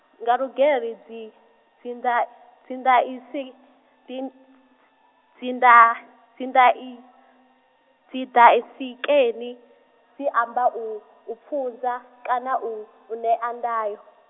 nga Lugeri- dzi, dzinda-, dzinda- isi din-, d- d- dzinda-, dzinda- i-, dzi daisi ke ni dzi amba u, u mpfunza kana u, u ṋea ndayo.